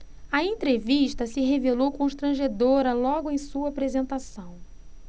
a entrevista se revelou constrangedora logo em sua apresentação